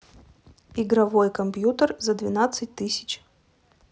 игровой компьютер за двенадцать тысяч